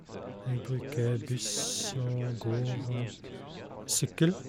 Jeg bruker buss og går og sykkel.